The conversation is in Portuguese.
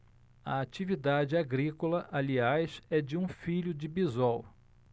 a atividade agrícola aliás é de um filho de bisol